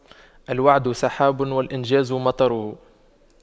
الوعد سحاب والإنجاز مطره